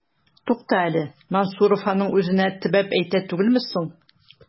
Тукта әле, Мансуров аның үзенә төбәп әйтә түгелме соң? ..